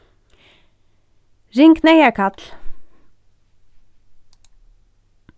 ring neyðarkall